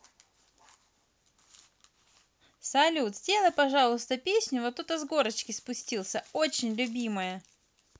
салют сделай пожалуйста песню вот кто то с горочки спустился очень любимая